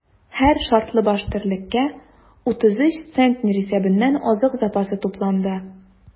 Һәр шартлы баш терлеккә 33 центнер исәбеннән азык запасы тупланды.